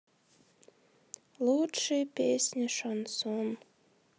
лучшие песни шансон